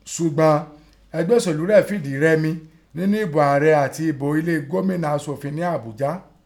Sùgbọ́n ẹgbẹ́ òṣèlú rẹ̀ fìdí rẹmi nínú ìbò ààrẹ àti ìbò ilé ìgbìmọ̀ aṣòfi nẹ́ Àbújá.